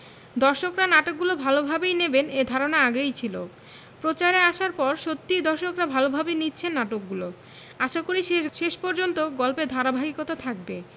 দর্শকরা নাটকগুলো ভালোভাবেই নেবেন এ ধারণা আগেই ছিল প্রচারে আসার পর সত্যিই দর্শকরা ভালোভাবে নিচ্ছেন নাটকগুলো আশাকরি শেষ পর্যন্ত গল্পের ধারাবাহিকতা থাকবে